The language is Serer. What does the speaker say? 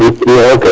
iyo ok